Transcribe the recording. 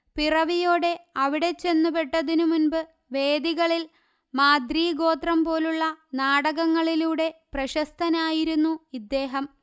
പിറവിയോടെ അവിടെ ചെന്നുപെട്ടതിനു മുന്പ് വേദികളിൽ മാദ്രീ ഗോത്രം പോലുള്ള നാടകങ്ങളിലൂടെ പ്രശസ്തനായിരുന്നു ഇദ്ദേഹം